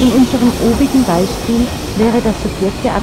unserem obigen Beispiel wäre das Subjekt der